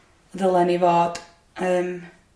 Ddylan ni fod yym